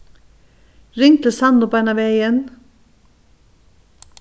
ring til sannu beinanvegin